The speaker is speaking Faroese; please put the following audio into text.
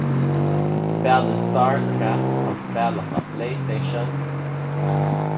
spælið starcraft kann spælast á playstation